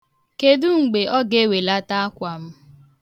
Kedu mgbe ọ ga-ewelata akwa m?